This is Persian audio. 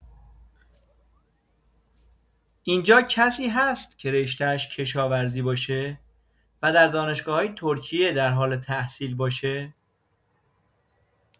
اینجا کسی هست که رشته ش کشاورزی باشه و در دانشگاه‌‌های ترکیه در حال تحصیل باشه؟